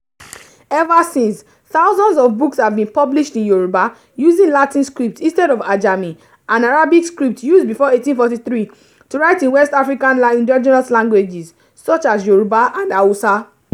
Ever since, thousands of books have been published in Yorùbá using Latin script instead of Ajami, an Arabic script used before 1843 to write in West African Indigenous languages such as Yorùbá and Hausa.